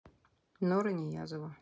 нора ниязова